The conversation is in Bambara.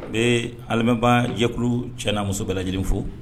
N bɛ an lamɛnbaajɛkulu cɛ n'a muso bɛɛ lajɛlen fo